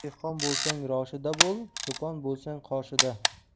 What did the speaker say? dehqon bo'lsang roshida bo'l cho'pon bo'lsang qoshida